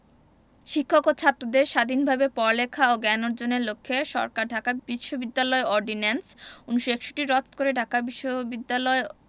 শিক্ষক ও ছাত্রদের স্বাধীনভাবে পড়ালেখা ও জ্ঞান অর্জনের লক্ষ্যে সরকার ঢাকা বিশ্ববিদ্যালয় অর্ডিন্যান্স ১৯৬১ রদ করে ঢাকা বিশ্ববিদ্যালয়